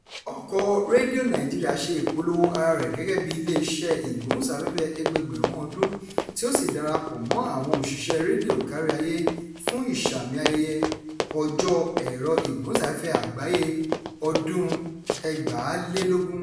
Ọkọ̀ọ Radio Nigeria ṣe ìpolówó ara rẹ̀ gẹ́gẹ́ bíi "iléeṣẹ́ ìgbóhùnsáfẹ́fẹ́ ẹgbẹẹgbẹ̀rún ọdún," tí ó sì darapọ̀ mọ́ àwọn òṣìṣẹ́ rédíò kárí ayé fún ìsààmì ayẹyẹ Ọjọ́ Ẹ̀rọ-ìgbóhùnsáfẹ́fẹ́ Àgbáyé ọdún-un 2020.